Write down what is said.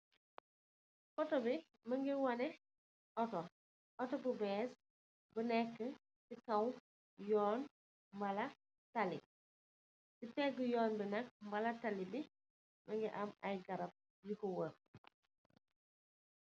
Otto bi mu ngi wane Otto. Otto bu ees bu neekë si kow yoon Wala tali si peegë Yoon bi nak, Wala tali, mu ngi am ay garab yu ko wër.